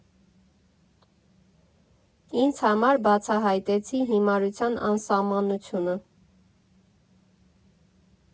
Ինձ համար բացահայտեցի հիմարության անսահմանությունը»։